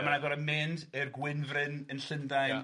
A mae'n goro mynd i'r Gwynfryn yn Llundain... Ia. ...